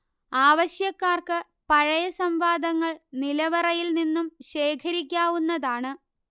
ആവശ്യക്കാർക്ക് പഴയ സംവാദങ്ങൾ നിലവറയിൽ നിന്നും ശേഖരിക്കാവുന്നതാണ്